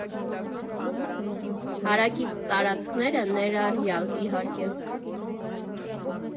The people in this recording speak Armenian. Հարակից տարածքները ներառյալ, իհարկե։